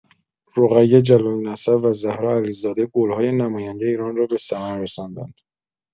رقیه جلال‌نسب و زهرا علیزاده، گل‌های نماینده ایران را به ثمر رساندند.